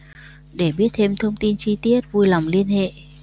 để biết thêm thông tin chi tiết vui lòng liên hệ